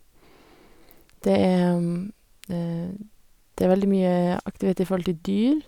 det er Det er veldig mye aktivitet i forhold til dyr.